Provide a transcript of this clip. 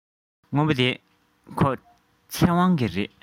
སྔོན པོ འདི ཚེ དབང གི རེད